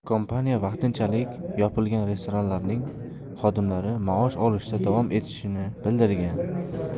kompaniya vaqtinchalik yopilgan restoranlarning xodimlari maosh olishda davom etishini bildirgan